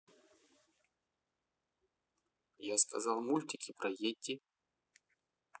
я сказал мультики про йети